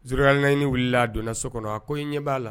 S zuruolaɲini wulila a donna so kɔnɔ a ko i ɲɛ b'a la